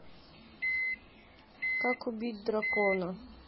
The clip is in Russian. как убить дракона